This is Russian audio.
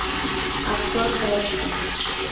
актер брэд питт